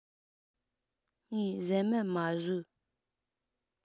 ངས ཟ མ མ ཟོས